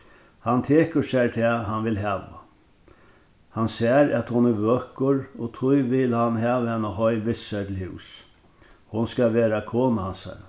hann tekur sær tað hann vil hava hann sær at hon er vøkur og tí vil hann hava hana heim við sær til hús hon skal vera kona hansara